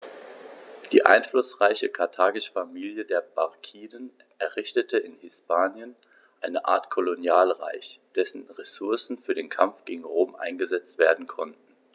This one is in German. Die einflussreiche karthagische Familie der Barkiden errichtete in Hispanien eine Art Kolonialreich, dessen Ressourcen für den Kampf gegen Rom eingesetzt werden konnten.